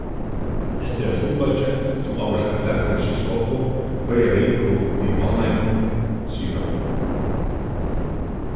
hetta er ein trupulleiki sum ávirkar flakavirkið í skopun hvørja viku í mánaðinum sigur hann